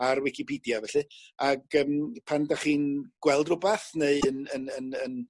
ar wicipedia felly ag yym pan 'dach chi'n gweld rwbath neu yn yn yn yn